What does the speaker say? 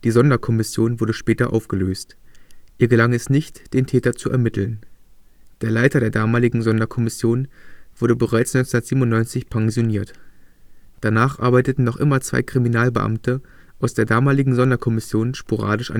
Sonderkommission wurde später aufgelöst. Ihr gelang es nicht, den Täter zu ermitteln. Der Leiter der damaligen Sonderkommission wurde bereits 1997 pensioniert. Danach arbeiteten noch immer zwei Kriminalbeamte aus der damaligen Sonderkommission sporadisch